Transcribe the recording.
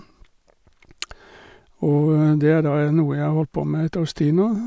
Og det er da noe jeg har holdt på med et års tid nå.